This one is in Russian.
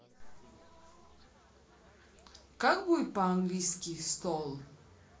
как будет по английски стол